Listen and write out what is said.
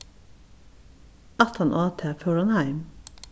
aftan á tað fór hann heim